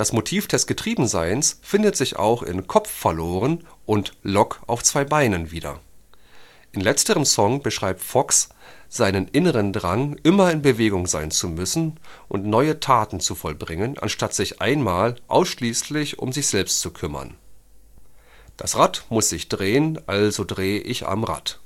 Motiv des Getriebenseins findet sich auch in Kopf verloren und Lok auf 2 Beinen wieder. In letzterem Song beschreibt Fox seinen inneren Drang, immer in Bewegung sein zu müssen und neue Taten zu vollbringen, anstatt sich einmal ausschließlich um sich selbst zu kümmern („ Das Rad muss sich drehen, also dreh ich am Rad